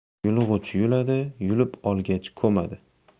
yulg'ich yuladi yulib olgach ko'madi